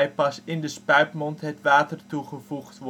pas in de spuitmond het water toegevoegd